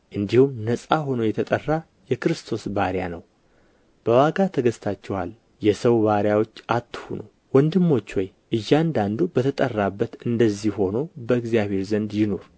እንዲሁም ነጻ ሆኖ የተጠራ የክርስቶስ ባሪያ ነው በዋጋ ተገዝታችኋል የሰው ባሪያዎች አትሁኑ ወንድሞች ሆይ እያንዳንዱ በተጠራበት እንደዚሁ ሆኖ በእግዚአብሔር ዘንድ ይኑር